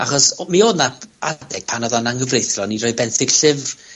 Achos o- mi oedd 'na adeg pan odd o'n anghyfreithlon i roi benthyg llyfr